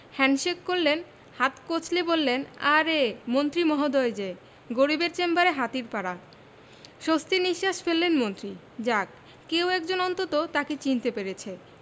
handshake করলেন হাত কচলে বললেন আরে মন্ত্রী মহোদয় যে গরিবের চেম্বারে হাতির পাড়া স্বস্তির নিশ্বাস ফেললেন মন্ত্রী যাক কেউ একজন অন্তত তাঁকে চিনতে পেরেছে